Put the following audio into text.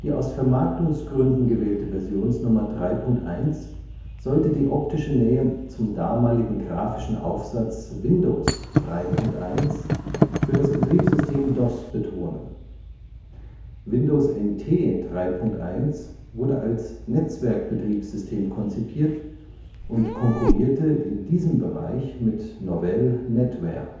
aus Vermarktungsgründen gewählte Versionsnummer 3.1 sollte die optische Nähe zum damaligen grafischen Aufsatz Windows 3.1 für das Betriebssystem DOS betonen. Windows NT 3.1 wurde als Netzwerkbetriebssystem konzipiert und konkurrierte in diesem Bereich mit Novell NetWare